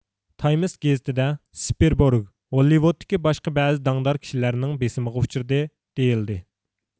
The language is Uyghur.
تايمېس گېزىتى دە سپېربورگ ھوللۇۋۇدتىكى باشقا بەزى داڭدار كىشىلەرنىڭ بېسىمىغا ئۇچرىدى دېيىلدى